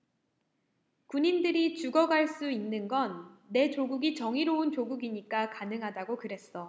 군인들이 죽어갈 수 있는 건 내 조국이 정의로운 조국이니까 가능하다고 그랬어